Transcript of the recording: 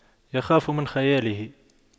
يخاف من خياله